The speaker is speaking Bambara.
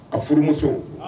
A furumuso